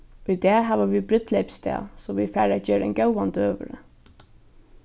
í dag hava vit brúdleypsdag so vit fara at gera ein góðan døgurða